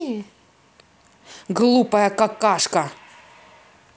глупая какашка